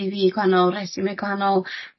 See Vee gwanol resume gwahanol